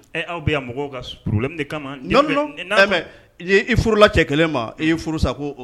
Aw bɛ yan mɔgɔw kalɛ de kamaminamɛ i furu la cɛ kelen ma e ye furu sa